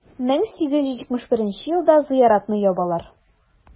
1871 елда зыяратны ябалар.